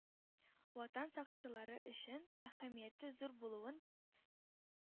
Ватан сакчылары өчен әһәмияте зур булуын